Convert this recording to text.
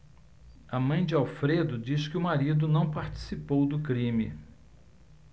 a mãe de alfredo diz que o marido não participou do crime